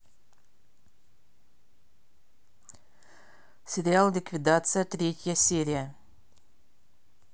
сериал ликвидация третья серия